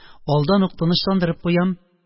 Алдан ук тынычландырып куям